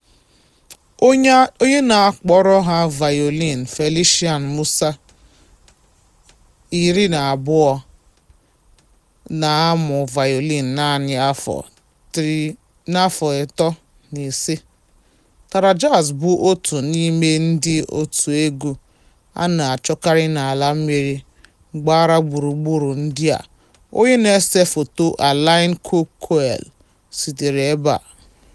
Onye na-akpọrọ ha vayolin, Felician Mussa, 20, na-amụ vayolin naanị afọ 3.5; TaraJazz bụ otu n'ime ndị òtù egwu a na-achọkarị n'ala mmiri gbara gburugburu ndị a, onye na-ese foto Aline Coquelle setere ebe a: